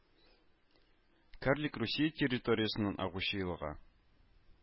Карлик Русия территориясеннән агучы елга